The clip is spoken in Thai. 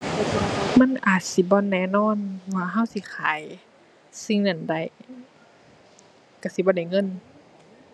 มันอาจสิบ่แน่นอนว่า เราสิขายสิ่งนั้นได้ เราสิบ่ได้เงิน